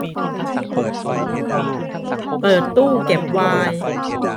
เปิดตู้เก็บไวน์